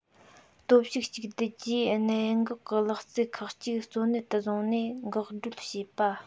སྟོབས ཤུགས གཅིག སྡུད ཀྱིས གནད འགག གི ལག རྩལ ཁག ཅིག གཙོ གནད དུ བཟུང ནས འགག སྒྲོལ བྱེད པ